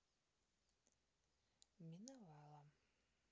миновало